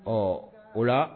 Ɔ o la